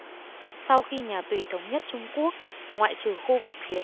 sau khi nhà tùy thống nhất trung quốc ngoại trừ khu vực phía